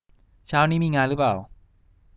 เช้านี้มีงานหรือเปล่า